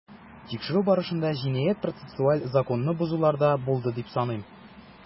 Тикшерү барышында җинаять-процессуаль законны бозулар да булды дип саныйм.